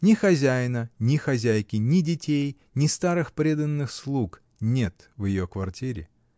Ни хозяина, ни хозяйки, ни детей, ни старых преданных слуг — нет в ее квартире.